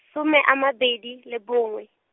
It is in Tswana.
some a mabedi, le bongwe.